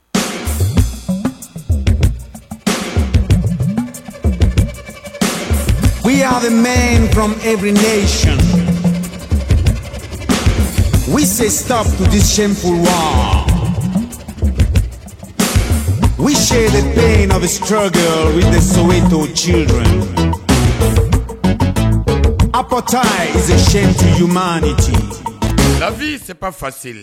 'a bɛ mɛ e ne se tɛ sɛ wa u sɛ bɛ yen bɛ u se to ci ye a ko sɛji ɲuman ni